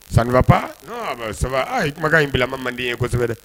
Sanba pa saba kumakan in bilama manden ye kosɛbɛ